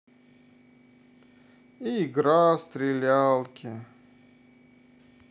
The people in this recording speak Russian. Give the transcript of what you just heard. игра стрелялки